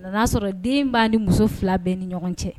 A nana'a sɔrɔ den b'a ni muso fila bɛɛ ni ɲɔgɔn cɛ